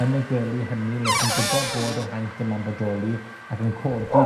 yn y gwely hynny le chi'n gwbod bod yr haint yma'n bodoli, ac yn codi